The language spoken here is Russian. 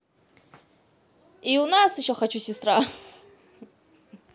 и у нас еще хочу сестра